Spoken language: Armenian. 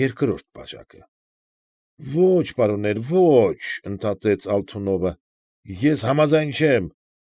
Երկրորդ բաժակը։ ֊ Ո՛չ, պարոններ, ո՛չ,֊ ընդհատեց Ալթունովը,֊ ես համաձայն չեմ։